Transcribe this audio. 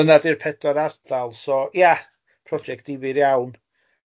So dyna ydy'r pedwar ardal, so ia, project difyr iawn.